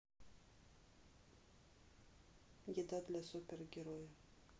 еда для супергероя